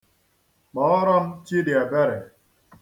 Kpọọrọ m Chidịebere.